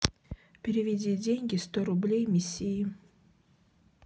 переведи деньги сто рублей миссии